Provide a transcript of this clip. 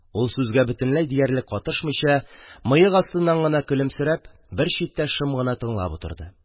Ул, сүзгә бөтенләй диярлек катышмыйча, мыек астыннан гына көлемсерәп, бер читтә шым гына тыңлап утырды